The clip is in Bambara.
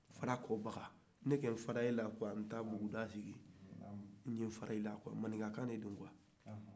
fara kɔbaga ne kan faran e la ka taa sig n'ye fara ila quoi manonkakan de do